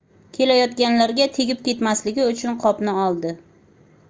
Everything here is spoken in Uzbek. kelayotganlarga tegib ketmasligi uchun qopni oldi